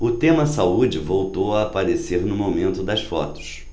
o tema saúde voltou a aparecer no momento das fotos